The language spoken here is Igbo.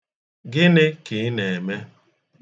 Gịnị ka ị na-eme?